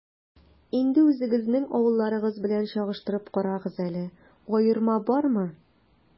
Инде үзегезнең авылларыгыз белән чагыштырып карагыз әле, аерма бармы?